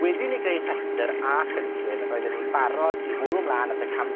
Wedi i ni greu rhestyr a llynllyn roedden ni'n barod i fwrw mlan at y cam